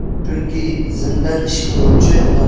chunki zimdan ish ko'ruvchi